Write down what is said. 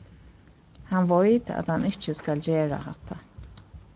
hann veit at hann ikki skal gera hatta